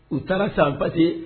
U taara san pati